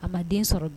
Aba den sɔrɔ